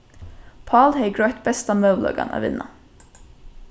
pál hevði greitt besta møguleikan at vinna